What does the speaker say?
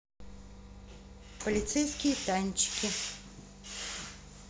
полицейские тачки